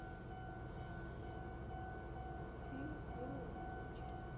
фильм белые цыпочки